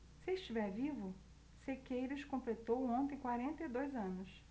se estiver vivo sequeiros completou ontem quarenta e dois anos